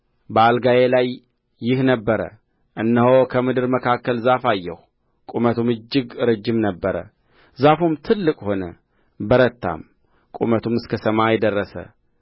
በአልጋዬ ላይ ይህ ነበረ እነሆ በምድር መካከል ዛፍ አየሁ ቁመቱም እጅግ ረጅም ነበረ ዛፉም ትልቅ ሆነ በረታም ቁመቱም እስከ ሰማይ ደረሰ